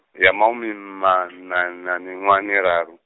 ya mahumimaṋa na miṅwaha miraru.